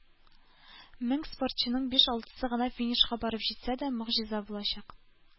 Мең спортчының биш-алтысы гына финишка барып җитсә дә, могҗиза булачак.